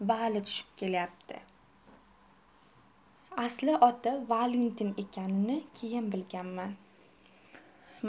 vali tushib kelyapti asli oti valentin ekanini keyin bilganman